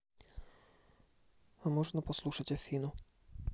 о а можно послушать афину